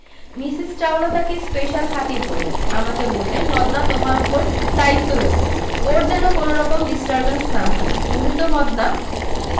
Mrs Chawla তাকে special খাতির করলেন আমাকে বললেন মদনা তোমার উপর দ্বায়িত্ব রইলো ওর যেন কোনোরকম ডিস্টার্বেন্স না হয় মোহিত মদনা